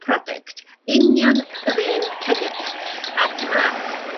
product. Union yr un cynnyrch. Ac ma'